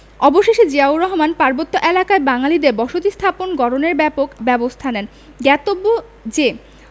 অবশেষে জিয়াউর রহমান পার্বত্য এলাকায় বাঙালিদের বসতী স্থাপন গড়নের ব্যাপক ব্যবস্তা নেন জ্ঞাতব্য যে